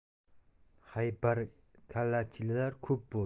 haybarakallachilar ko'p bo'ldi